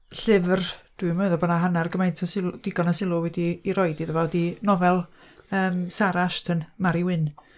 Llyfr, dwi'm yn meddwl bo' 'na hanner gymaint o syl-, digon o sylw, wedi ei roid iddo fo ydy nofel, yym, Sara Ashton, 'Mari Wyn'.